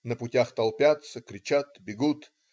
На путях толпятся, кричат, бегут.